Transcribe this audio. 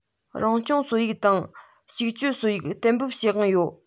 རང སྐྱོང སྲོལ ཡིག དང གཅིག སྤྱོད སྲོལ ཡིག གཏན འབེབས བྱེད དབང ཡོད